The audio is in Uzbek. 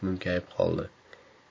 munkayib qoldi